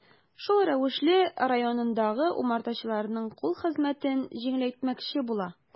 Шул рәвешле районындагы умартачыларның кул хезмәтен җиңеләйтмәкче була.